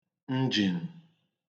nijn